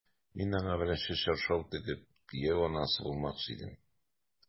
Мин аңа беренче чаршау тегеп, кияү анасы булмакчы идем...